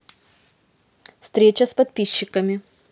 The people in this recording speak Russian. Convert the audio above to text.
встреча с подписчиками